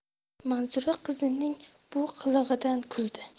manzura qizining bu qilig'idan kuldi